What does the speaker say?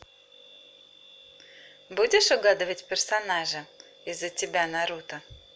будешь угадывать персонажа из за тебя наруто